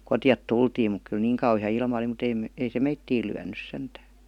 kotia tultiin mutta kyllä niin kauhea ilma oli mutta - ei se meitä lyönyt sentään